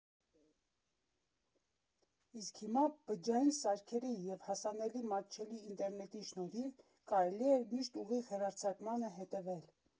Իսկ հիմա բջջային սարքերի և հասանելի, մատչելի ինտերնետի շնորհիվ կարելի էր միշտ ուղիղ հեռարձակմանը հետևել։